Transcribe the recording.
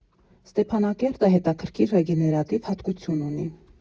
Ստեփանակերտը հետաքրքիր ռեգեներատիվ հատկություն ունի։